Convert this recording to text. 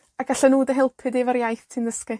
A gallan nw dy helpu di efo'r iaith ti'n dysgu.